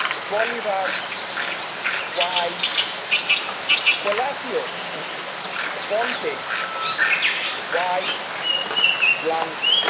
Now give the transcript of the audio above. Bolivar ওয়াই পলা সিওসপন্টে ওয়াই ব্লঙ্কো